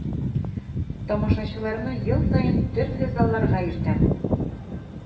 Тамашачыларны ел саен төрле залларга йөртәм.